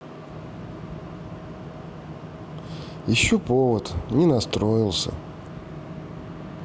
ищу повод не настроился